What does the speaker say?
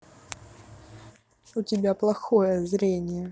у тебя плохое зрение